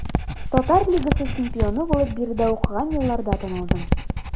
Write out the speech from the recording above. Татар лигасы чемпионы булып биредә укыган елларда танылдым.